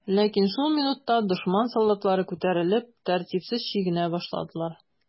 Ләкин шул минутта дошман солдатлары күтәрелеп, тәртипсез чигенә башладылар.